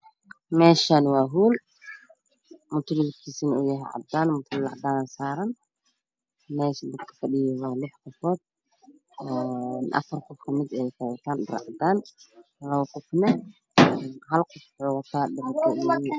Meeshaan wa hool mutuleelkiisana uu yahay cadan mutuleel cadaan aa saaran meesha dadka fadhiyo waa 6 qafood oo 4 qof ka mid ah waxay wataan dhar cadaan oo qofna hal qofna wuxuu wataa dhar madow